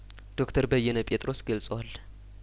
ዶክተር በየነ ጴጥሮስ ገልጸዋል